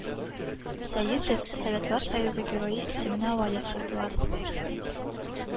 Сәетов Советлар Союзы Герое исеменә лаек булдылар